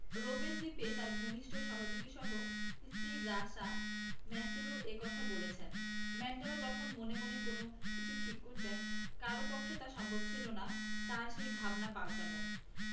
Robben দ্বীপে তাঁর ঘনিষ্ঠ সহযোগীসহ স্ত্রী গ্রাসা ম্যাশেলও এ কথা বলেছেন ম্যান্ডেলা যখন মনে মনে কোনো কিছু ঠিক করতেন কারও পক্ষেই তা সম্ভব ছিল না তাঁর সেই ভাবনা পাল্টানো